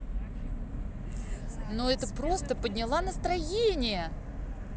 ну это просто подняла настроение